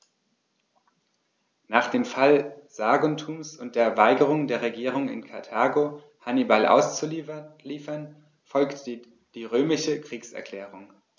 Nach dem Fall Saguntums und der Weigerung der Regierung in Karthago, Hannibal auszuliefern, folgte die römische Kriegserklärung.